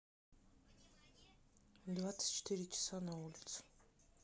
двадцать четыре часа на улице